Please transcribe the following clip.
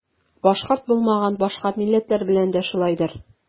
Башкорт булмаган башка милләтләр белән дә шулайдыр.